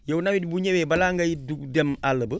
yow nawet bi bu ñëwee balaa ngay du dem àll ba